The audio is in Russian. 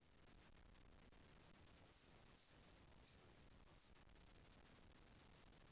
афина чем ты научилась заниматься